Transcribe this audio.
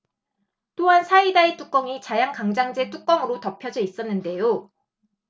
또한 사이다의 뚜껑이 자양강장제 뚜껑으로 덮어져 있었는데요